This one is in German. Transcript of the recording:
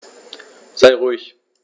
Sei ruhig.